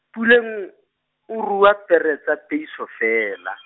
Puleng, o rua pere tsa peiso feela.